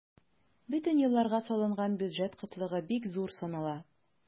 Бөтен елларга салынган бюджет кытлыгы бик зур санала.